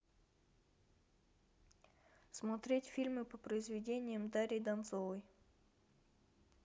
смотреть фильмы по произведениям дарьи донцовой